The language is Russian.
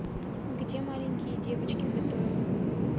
где маленькие девочки готовят